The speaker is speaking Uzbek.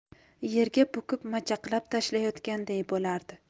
yerga bukib majaqlab tashlayotganday bo'lardi